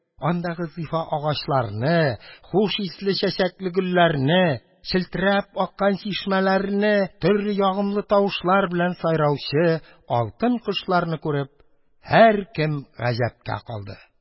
Андагы зифа агачларны, хуш исле чәчәкле гөлләрне, челтерәп аккан чишмәләрне, төрле ягымлы тавышлар белән сайраучы алтын кошларны күреп, һәркем гаҗәпкә калды.